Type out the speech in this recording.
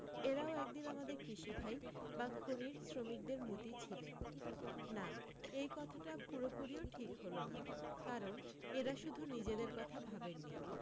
এরাও একদিন আমাদের কৃষিভাই বা খনির শ্রমিকদের মতি ছিলেন না এই কথাটা পুরোপুরিও ঠিক হল না কারণ এরা শুধু নিজেদের কথা ভাবেননি